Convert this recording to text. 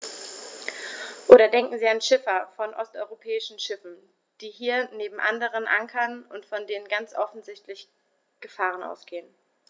Oder denken Sie an Schiffer von osteuropäischen Schiffen, die hier neben anderen ankern und von denen ganz offensichtlich Gefahren ausgehen.